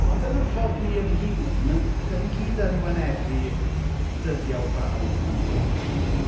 Ond yn ein ffordd ni ein hun, dan ni gyd yn wynebu dyddiau o brawf mewn bywyd yn dydan?